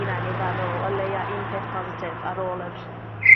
hunan i feddwl o leia un peth positif ar ôl yr